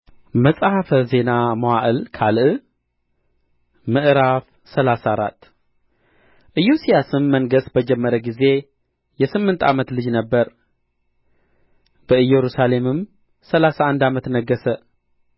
መጽሐፈ ዜና መዋዕል ካልዕ ምዕራፍ ሰላሳ አራት ኢዮስያስም መንገሥ በጀመረ ጊዜ የስምንት ዓመት ልጅ ነበረ በኢየሩሳሌምም ሠላሳ አንድ ዓመት ነገሠ